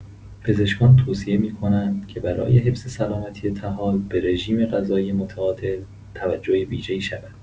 پزشکان توصیه می‌کنند که برای حفظ سلامتی طحال، به رژیم‌غذایی متعادل توجه ویژه‌ای شود.